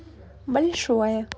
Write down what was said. большое